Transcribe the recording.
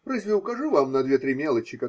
Разве укажу вам на две-три мелочи.